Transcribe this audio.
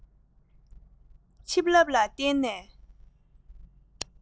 ཆིག ལབ ལ བརྟེན ནས